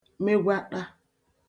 megwaṭa